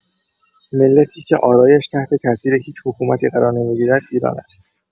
ملتی که آرایش تحت‌تاثیر هیچ حکومتی قرار نمی‌گیرد، ایران است.